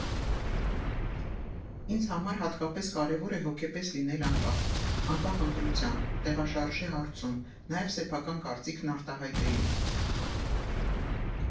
Ինձ համար հատկապես կարևոր է հոգեպես լինել անկախ, անկախ ընտրության, տեղաշարժի հարցում, նաև սեփական կարծիքն արտահայտելու։